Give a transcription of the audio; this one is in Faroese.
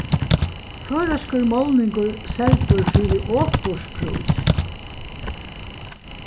føroyskur málningur seldur fyri okursprís